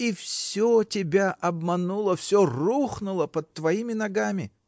-- И все тебя обмануло; все рухнуло под твоими ногами.